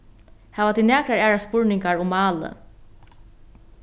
hava tit nakrar aðrar spurningar um málið